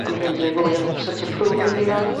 ...a ma' hyn 'di roi fwy o so't o' proof i fi 'wan.